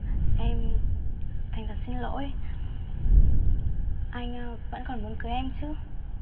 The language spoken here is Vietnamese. em thành thật xin lỗi anh vẫn còn muốn cưới em chứ